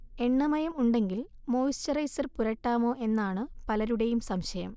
എണ്ണമയം ഉണ്ടെങ്കിൽ മോയിസ്ചറൈസർ പുരട്ടാമോ എന്നാണു പലരുടെയും സംശയം